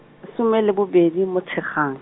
some le bobedi Motshegang.